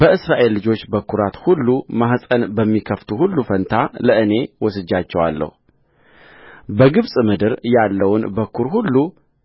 በእስራኤል ልጆች በኵራት ሁሉ ማኅፀን በሚከፍት ሁሉ ፋንታ ለእኔ ወስጄአቸዋለሁበግብፅ ምድር ያለውን በኵር ሁሉ